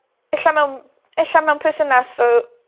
ella mewn ella mewn perthynas fel